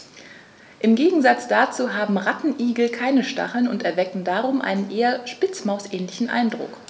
Im Gegensatz dazu haben Rattenigel keine Stacheln und erwecken darum einen eher Spitzmaus-ähnlichen Eindruck.